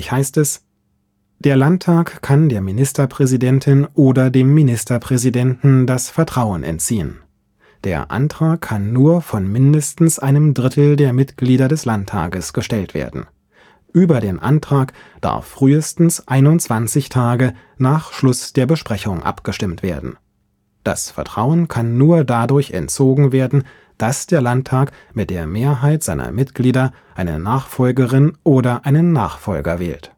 1) Der Landtag kann der Ministerpräsidentin oder dem Ministerpräsidenten das Vertrauen entziehen. (2) Der Antrag kann nur von mindestens einem Drittel der Mitglieder des Landtages gestellt werden. Über den Antrag darf frühestens 21 Tage nach Schluss der Besprechung abgestimmt werden. (3) Das Vertrauen kann nur dadurch entzogen werden, dass der Landtag mit der Mehrheit seiner Mitglieder eine Nachfolgerin oder einen Nachfolger wählt